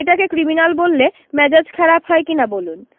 এটাকে ক্রিমিন্যাল বললে মেজাজ খারাপ হয় কিনা বলুন